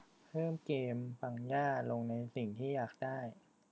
เพิ่มเกมปังย่าลงในสิ่งที่อยากได้